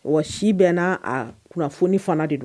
Wa si bɛna n' a kunnafoni fana de don